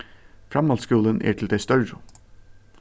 framhaldsskúlin er til tey størru